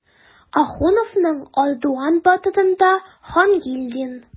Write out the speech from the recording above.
Ахуновның "Ардуан батыр"ында Хангилдин.